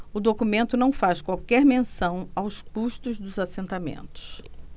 o documento não faz qualquer menção aos custos dos assentamentos